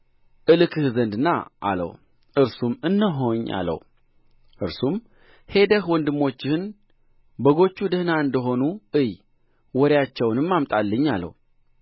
እልክህ ዘንድ ና አለው እርሱም እነሆኝ አለው እርሱም ሄደህ ወንድሞችህና በጎቹ ደኅና እንደ ሆኑ እይ ወሬአቸውንም አምጣልኝ አለው